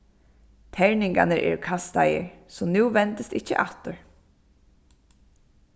terningarnir eru kastaðir so nú vendist ikki aftur